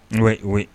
N'o ye o ye